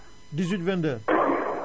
18 22